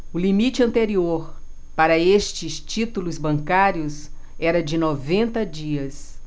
o limite anterior para estes títulos bancários era de noventa dias